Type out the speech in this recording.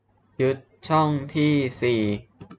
ยึดช่องที่สี่